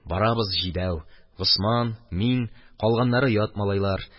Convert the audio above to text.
Барабыз җидәү: Госман, мин, калганнары ят малайлар.